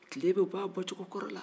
tile bɛ bɔ a bɔcogo kɔrɔ la